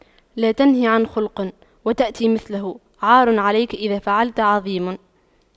لا تنه عن خلق وتأتي مثله عار عليك إذا فعلت عظيم